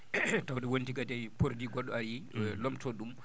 tawde kadi wonti kadi produit fra goɗɗo a yiyii lomtotooɗo ɗum